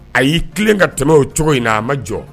A y'i tilen ka tɛmɛ o cogo in na a ma jɔ